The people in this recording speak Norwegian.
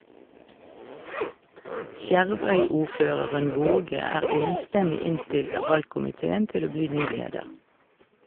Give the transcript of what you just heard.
Skjervøy-ordføreren Waage er enstemmig innstilt av valgkomiteen til å bli ny leder.